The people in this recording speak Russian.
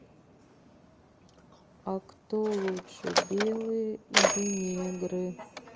а кто лучше белые или негры